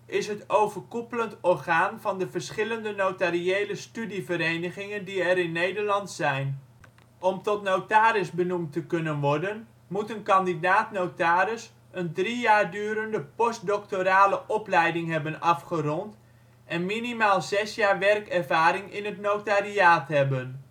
is het overkoepelend orgaan van de verschillende notariële studieverenigingen die er in Nederland zijn. Om tot notaris benoemd te kunnen worden moet een kandidaat-notaris een drie jaar durende post-doctorale opleiding hebben afgerond en minimaal 6 jaar werkervaring in het notariaat hebben